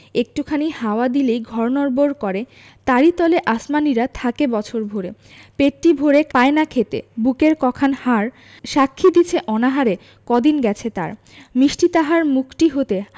একটু খানি হাওয়া দিলেই ঘর নড়বড় করে তারি তলে আসমানীরা থাকে বছর ভরে পেটটি ভরে পায় না খেতে বুকের ক খান হাড় সাক্ষী দিছে অনাহারে কদিন গেছে তার মিষ্টি তাহার মুখটি হতে